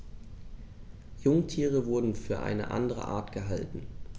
Jungtiere wurden für eine andere Art gehalten.